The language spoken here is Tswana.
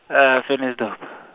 Ventersdorp.